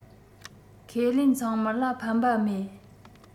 ཁས ལེན ཚང མར ལ ཕན པ མེད